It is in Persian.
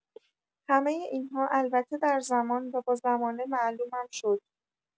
همۀ این‌ها البته در زمان و با زمانه معلومم شد.